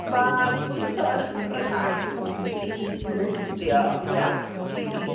Mae gweithio yn y cyfryngau yn completely dinistrio reality TV.